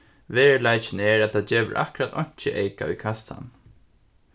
veruleikin er at tað gevur akkurát einki eyka í kassan